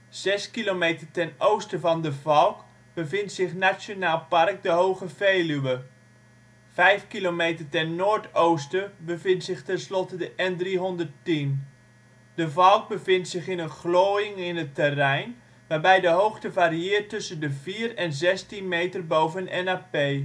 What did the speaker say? Zes kilometer ten oosten van De Valk bevindt zich Nationaal Park De Hoge Veluwe. Vijf kilometer ten noordoosten bevindt zich ten slotte de N310. De Valk bevindt zich in een glooiing in het terrein, waarbij de hoogte varieert tussen de 4 en 16 meter boven NAP. De